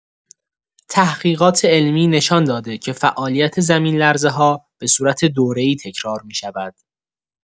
تحقیقات علمی نشان داده که فعالیت زمین‌لرزه‌ها به صورت دوره‌ای تکرار می‌شود.